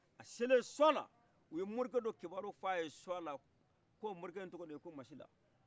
a sele suala u ye morikɛdɔ kibaru fɔ a ye suala ko morikɛ tɔgɔye de ye ko masila